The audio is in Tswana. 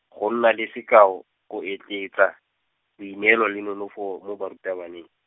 go nna le sekao go etleetsa, boineelo le nonofo mo barutabaneng.